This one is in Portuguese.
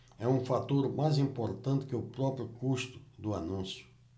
é um fator mais importante que o próprio custo do anúncio